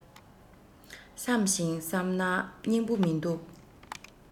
བསམ ཞིང བསམ ན སྙིང པོ མིན འདུག